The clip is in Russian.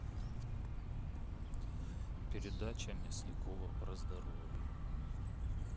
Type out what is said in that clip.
передача мясникова про здоровье